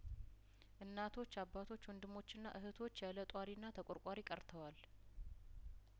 እናቶች አባቶች ወንድሞችና እህቶች ያለጧሪና ተቆርቋሪ ቀርተዋል